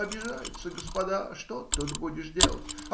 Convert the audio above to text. Обижаются господа, что тут будешь делать!